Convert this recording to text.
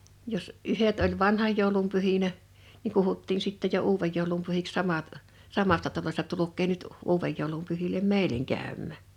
jos yhdet oli vanhan joulun pyhinä niin kutsuttiin sitten jo uuden joulun pyhiksi samat samasta talosta tulkaa nyt uuden joulun pyhille meille käymään